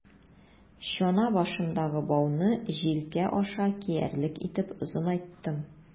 Чана башындагы бауны җилкә аша киярлек итеп озынайттым.